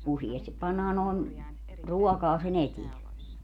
useasti pannaan noin ruokaa sen eteen